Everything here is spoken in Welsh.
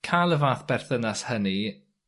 ca'l y fath berthynas hynny